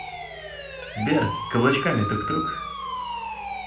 сбер каблучками тук тук